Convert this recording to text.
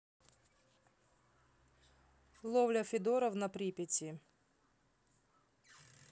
ловля федоровна припяти